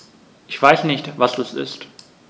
Ich weiß nicht, was das ist.